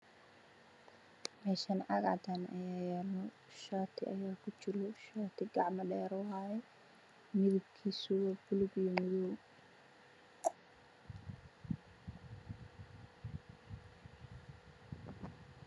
Meeshaan caag cadaan ah ayaa yaalo shaati ayaa kujiro oo gacmo dheera ah midabkiisu waa buluug iyo madow.